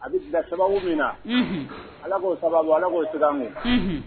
A bɛ bila sababu min na ala b'o sababu ala b'o seku